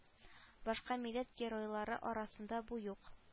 Башка милләт геройлары арасында бу юк